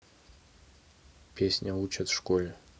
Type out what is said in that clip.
песня учат в школе